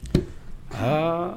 Ha